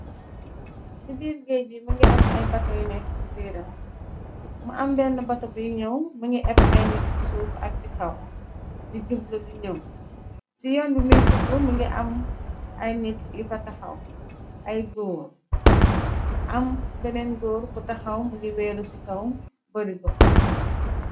Ci biir géej bi më ngi am ay bato yu nekk ci biiram, mu am benn batu bi ñëw më ngi épp ay nit ci suuf ak ci kaw di jub lu di ñëw. Ci yoon bu miy jublu mu ngi am ay nit yufa taxhaw, ay góor. Am beneen góor bu tahaw mu ngi wéeru ci kaw bari go.